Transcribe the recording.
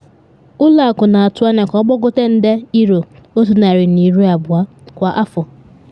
Ụlọ Akụ na atụ anya ka ọ gbagote nde £120 kwa afọ.